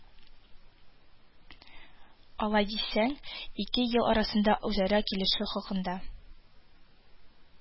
Алай дисәң, ике ил арасында үзара килешү хакында